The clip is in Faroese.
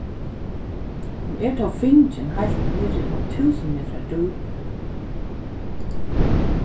hon er tó fingin heilt niðri á túsund metrar dýpi